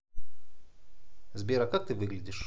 сбер а как ты выглядишь